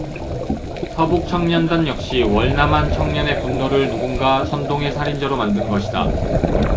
서북청년단 역시 월남한 청년의 분노를 누군가 선동해 살인자로 만든 것이다